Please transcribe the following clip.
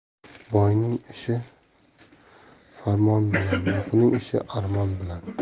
boyning ishi farmon bilan yo'qning ishi armon bilan